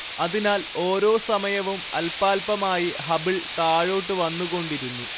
അതിനാൽ ഓരോ സമയവും അല്പാല്പമായി ഹബിൾ താഴോട്ടു വന്നുകൊണ്ടിരുന്നു